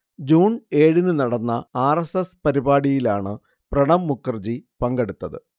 June ഏഴിന് നടന്ന R. S. S പരിപാടിയിലാണ് പ്രണബ് മുഖർജി പങ്കെടുത്തത്